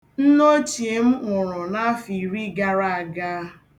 Nneochie m nwụrụ n'afọ iri gara aga.